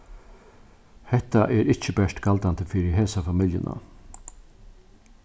hetta er ikki bert galdandi fyri hesa familjuna